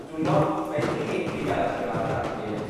Diwrnod bendigedig arall yma ar y rhandir.